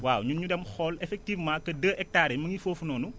waaw ñun ñu dem xool effectivement que deux hectares yi mu ngi foofu noonu